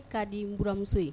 Ka di n buranmuso ye